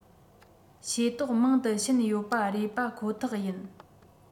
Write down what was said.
ཤེས རྟོགས མང དུ ཕྱིན ཡོད པ རེད པ ཁོ ཐག ཡིན